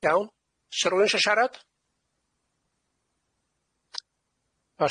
Iawn, sa rwun sho siarad?